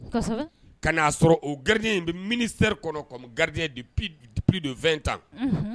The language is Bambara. Ka na'a sɔrɔ o garidi in bɛ minisɛri kɔnɔ garididonfɛn tan